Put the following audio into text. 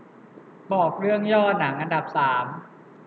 บอกเรื่องย่อหนังอันดับสาม